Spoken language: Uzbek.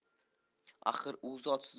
axir u zot